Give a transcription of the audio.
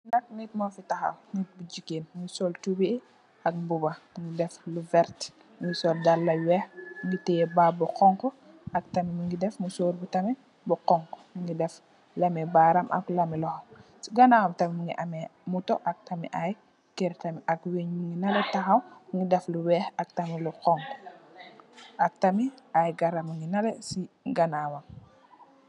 Li nak nit mo fi tahaw nit ku jigéen, mungi sol tubeye ak mbubba mu deff lu vert, mu sol daal yu weeh, mungi tè bag bu honku ak tamit mungi deff musor bi tamit nu honku. Mungi deff lami baram ak lami loho. Ci gannaw tamit mungi ameh moto ak tamit ay kër tamit ak wënn. Wënn mungi nalè tahaw mu deff lu weeh ak tamit lu honku ak tamit ay garab mungi nalè ci ganaawam.